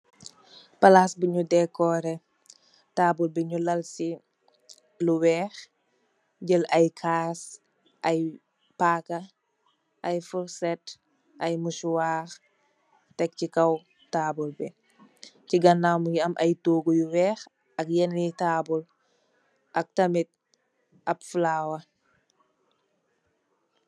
Palas bi nyu decoreh taable bi nyu lal si lo wheh. Jell ai kass ai paka ai furset ai musuwar tek si kaw taable bi. Si ganaw mugi am ai torguh yu wheh ak yenen yi taable ak tamit ap folawar.